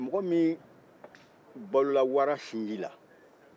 ɛ mɔgɔ min balola warasinji la